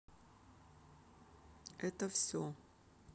это все